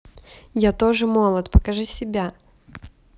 я тоже молод покажи себя